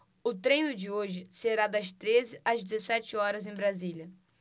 o treino de hoje será das treze às dezessete horas em brasília